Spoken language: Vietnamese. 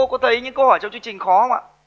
có thấy những câu hỏi trong chương trình khó không ạ